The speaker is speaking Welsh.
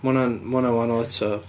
Ma' hwnna'n, ma' hwnna'n wahanol eto.